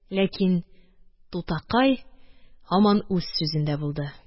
Ләкин тутакай һаман үз сүзендә булды